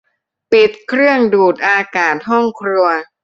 ปิดเครื่องดูดอากาศห้องครัว